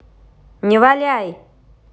не валяй